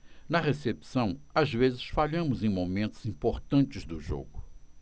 na recepção às vezes falhamos em momentos importantes do jogo